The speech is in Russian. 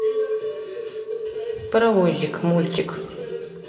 паровозик мультик